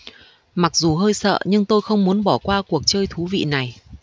mặc dù hơi sợ nhưng tôi không muốn bỏ qua cuộc chơi thú vị này